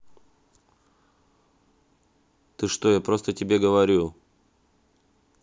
ты что я просто тебе говорю